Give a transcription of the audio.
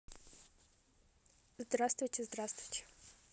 здравствуйте здравствуйте